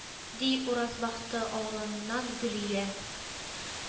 – ди уразбахты авылыннан гөлия.